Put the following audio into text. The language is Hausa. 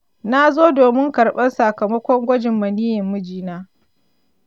na zo domin karɓar sakamakon gwajin maniyyin mijina.